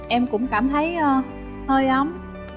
em cũng cảm thấy hơi ấm